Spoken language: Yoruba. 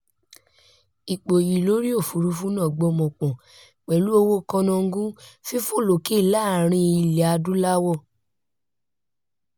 Ìpòyì lórí òfuurufú náà gbọ́mọ pọn pẹ̀lú owó kanangú fífò lókè láàárín Ilẹ̀-adúláwọ̀.